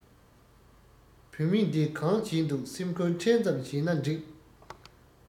བུད མེད འདི གང བྱས འདུག སེམས ཁུར ཕྲན ཙམ བྱས ན སྒྲིག